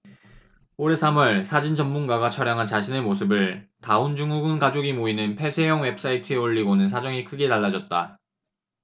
올해 삼 월 사진 전문가가 촬영한 자신의 모습을 다운증후군 가족이 모이는 폐쇄형 웹사이트에 올리고는 사정이 크게 달라졌다